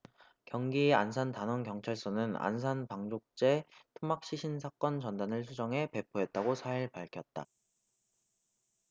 경기 안산단원경찰서는 안산 방조제 토막시신 사건 전단을 수정해 배포했다고 사 일 밝혔다